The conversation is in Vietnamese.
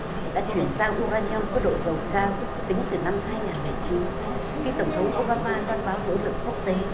đã chuyển sang u ra ni ông có độ giàu cao tính từ năm hai ngàn lẻ chín khi tổng thống ô ba ma luận bao nỗ lực quốc tế